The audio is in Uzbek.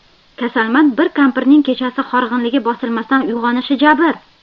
kasalmand bir kampirning kechasi horg'inligi bosilmasdan uyg'onishi jabr